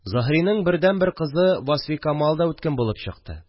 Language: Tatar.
Заһриның бердәнбер кызы Васфикамал да үткен булып чыкты